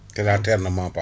te la terre ne ment pas